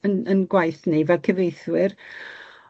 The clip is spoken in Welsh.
'Yn 'yn gwaith ni fel cyfieithwyr.